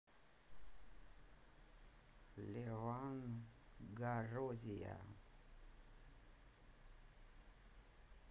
леван горозия